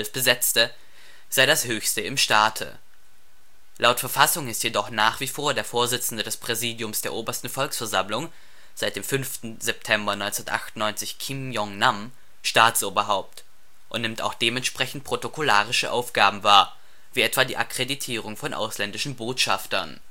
besetzte, sei das höchste im Staate. Laut Verfassung ist jedoch nach wie vor der Vorsitzende des Präsidiums der Obersten Volksversammlung (seit 5. September 1998 Kim Yong-nam) Staatsoberhaupt und nimmt auch dementsprechend protokollarische Aufgaben wahr, wie etwa die Akkreditierung von ausländischen Botschaftern